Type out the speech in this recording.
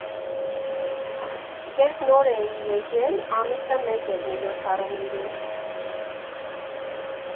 Երբ նոր էի եկել, ամիսը մեկ էր միջոցառում լինում։